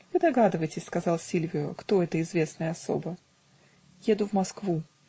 -- Вы догадываетесь, -- сказал Сильвио, -- кто эта известная особа. Еду в Москву.